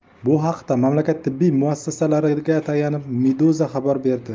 bu haqda mamlakat tibbiy muassasalariga tayanib meduza xabar berdi